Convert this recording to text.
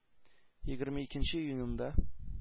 Егерме икенче июнендә